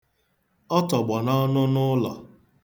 Ọ tọgbọ n'ọnụnụụlọ